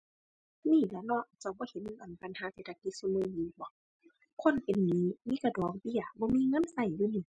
มีละเนาะ เจ้าบ่เห็น อั่น ปัญหาเศรษฐกิจซุมื้อนี้บ่ คนเป็นหนี้ มีแต่ดอกเบี้ย บ่มีเงินใช้อยู่นี่